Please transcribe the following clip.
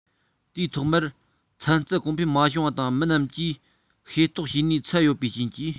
དུས ཐོག མར ཚན རྩལ གོང འཕེལ མ བྱུང བ དང མི རྣམས ཀྱི ཤེས རྟོགས བྱེད ནུས ཚད ཡོད པའི རྐྱེན གྱིས